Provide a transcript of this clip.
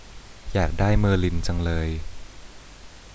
อยากได้เมอร์ลินจังเลย